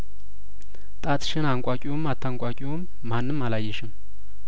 ጣትሽን አንቋቂውም አታንቋቂውም ማንም አላ የሽም